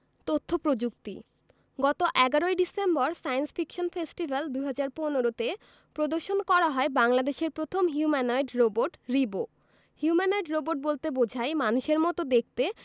তথ্য প্রযুক্তি গত ১১ ই ডিসেম্বর সায়েন্স ফিকশন ফেস্টিভ্যাল ২০১৫ তে প্রদর্শন করা হয় বাংলাদেশের প্রথম humanoid robot Ribo humanoid robot বলতে বোঝায় মানুষের মতো দেখতে